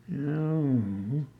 joo